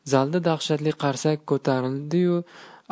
zalda dahshatli qarsak ko'tarildi yu